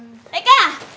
đại ca